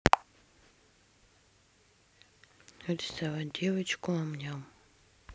рисовать девочку амням